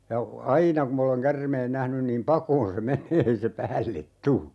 ja aina kun minä olen käärmeen nähnyt niin pakoon se menee ei se päälle tule